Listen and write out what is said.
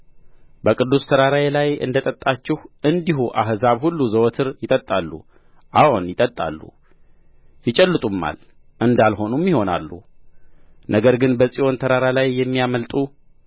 በቅዱስ ተራራዬ ላይ እንደ ጠጣችሁ እንዲሁ አሕዛብ ሁሉ ዘወትር ይጠጣሉ አዎን ይጠጣሉ ይጨልጡማል እንዳልሆኑም ይሆናሉ ነገር ግን በጽዮን ተራራ ላይ የሚያመልጡ